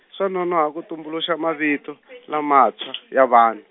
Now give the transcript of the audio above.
swa nonohwa ku tumbuluxa mavito, lamantshwa , ya vanhu.